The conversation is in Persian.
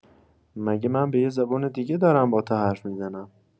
مگه من به یه زبون دیگه دارم با تو حرف می‌زنم؟